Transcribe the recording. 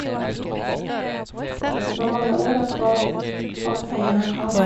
Så for mange år jeg spar alt penger jeg kan.